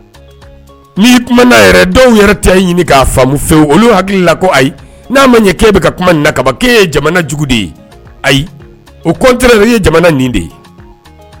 Ni n yɛrɛ denw yɛrɛ tɛ ɲini k a faamu fɛ olu hakili la ko ayi n a ma ɲɛ ke bɛ ka kuma nin na kababa e ye jamana jugu de ye ayi o kot o ye jamana nin de ye